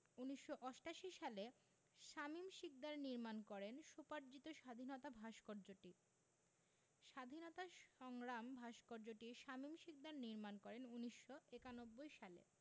১৯৮৮ সালে শামীম শিকদার নির্মাণ করেন স্বোপার্জিত স্বাধীনতা ভাস্কর্যটি স্বাধীনতা সংগ্রাম ভাস্কর্যটি শামীম শিকদার নির্মাণ করেন ১৯৯১ সালে